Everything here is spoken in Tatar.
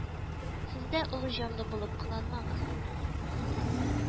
Сез дә олы җанлы булып кыланмагыз